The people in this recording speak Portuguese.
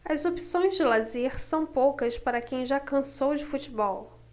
as opções de lazer são poucas para quem já cansou de futebol